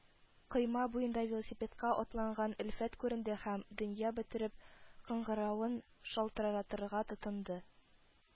Койма буенда велосипедка атланган Өлфәт күренде һәм, дөнья бетереп, кыңгыравын шалтыратырга тотынды